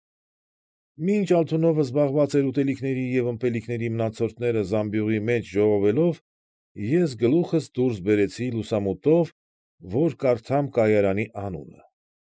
Մինչ Ալթունովը զբաղված էր ուտելիքների և ըմպելիքների մնացորդը զամբյուղի մեջ ժողովելով, ես գլուխս դուրս հանեցի լուսամուտով, որ կարդամ կայարանի անունը։